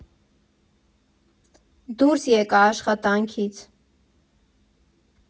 Դուրս եկա աշխատանքից։